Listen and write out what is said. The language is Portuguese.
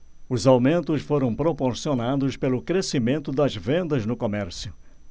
os aumentos foram proporcionados pelo crescimento das vendas no comércio